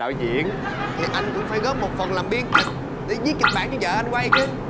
đạo diễn thì ăn cũng phải góp một phần làm biên kịch để diết kịch bản cho dợ anh quay chứ